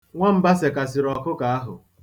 Nwamba sekasịrị ọkụkọ ahụ.